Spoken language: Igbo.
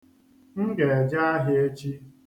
M ga-eje ahịa echi.